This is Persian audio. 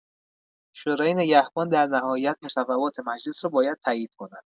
شورای نگهبان در نهایت مصوبات مجلس را باید تایید کند.